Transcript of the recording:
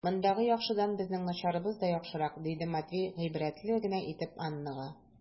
Мондагы яхшыдан безнең начарыбыз да яхшырак, - диде Матвей гыйбрәтле генә итеп Аннага.